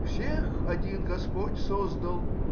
всех один господь создал